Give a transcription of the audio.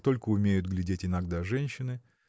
как только умеют глядеть иногда женщины